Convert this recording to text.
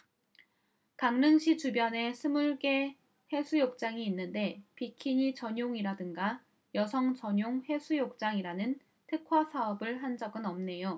강릉시 주변에 스물 개 해수욕장이 있는데 비키니 전용이라든가 여성 전용 해수욕장이라는 특화사업을 한 적은 없네요